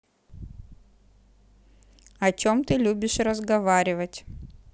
а о чем ты любишь разговаривать